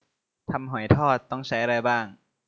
ทำหอยทอดต้องใช้อะไรบ้าง